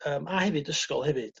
yym a hefyd ysgol hefyd